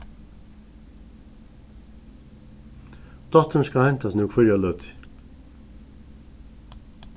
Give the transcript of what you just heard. dóttirin skal heintast nú hvørja løtu